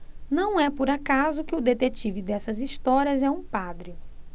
não é por acaso que o detetive dessas histórias é um padre